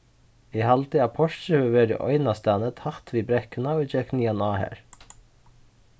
eg haldi at portrið hevur verið einastaðni tætt við brekkuna ið gekk niðaná har